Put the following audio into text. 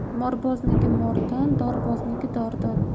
morbozniki mordan dorbozniki dordan